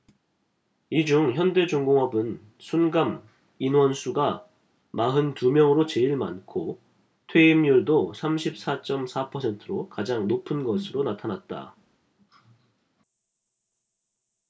이 중 현대중공업은 순감 임원수가 마흔 두 명으로 제일 많고 퇴임률도 삼십 사 쩜 사 퍼센트로 가장 높은 것으로 나타났다